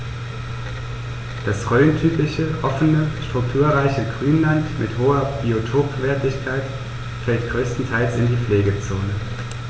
Das rhöntypische offene, strukturreiche Grünland mit hoher Biotopwertigkeit fällt größtenteils in die Pflegezone.